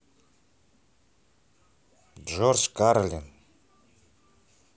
джордж карлин